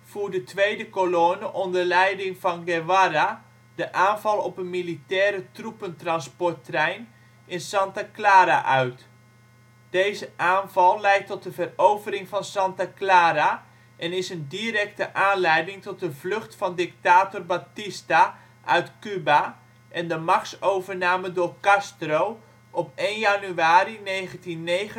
voert de tweede colonne onder leiding van Guevara de aanval op een militaire troepentransporttrein in Santa Clara uit. Deze aanval leidt tot de verovering van Santa Clara en is een directe aanleiding tot de vlucht van dictator Batista uit Cuba en de machtsovername door Castro op 1 januari 1959